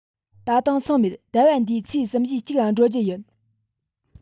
ད དུང སོང མེད ཟླ བ འདིའི ཚེས གསུམ བཞིའི གཅིག ལ འགྲོ རྒྱུུ ཡིན